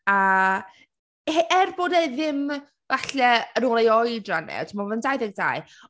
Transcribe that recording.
A e- er bod e ddim falle yn ôl ei oedran e, timod, mae’n dau ddeg dau.